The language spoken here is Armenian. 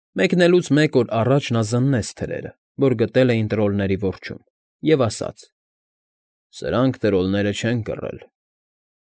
Մեկնելուց մեկ օր առաջ նա զննեց թրերը, որ գտել էին տրոլների որջում, և ասաց. ֊ Սրանք տրոլները չեն կռել։